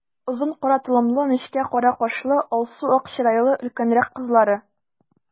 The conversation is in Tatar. Озын кара толымлы, нечкә кара кашлы, алсу-ак чырайлы өлкәнрәк кызлары.